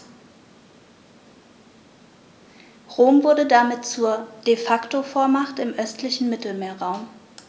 Rom wurde damit zur ‚De-Facto-Vormacht‘ im östlichen Mittelmeerraum.